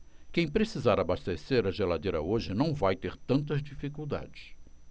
quem precisar abastecer a geladeira hoje não vai ter tantas dificuldades